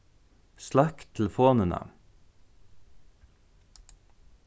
sløkk telefonina